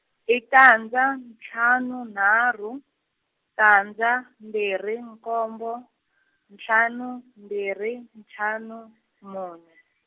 i tandza ntlhanu nharhu, tandza mbirhi nkombo, ntlhanu mbirhi ntlhanu mune.